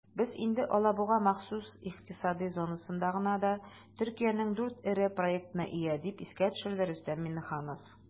"без инде алабуга махсус икътисади зонасында гына да төркиянең 4 эре проектына ия", - дип искә төшерде рөстәм миңнеханов.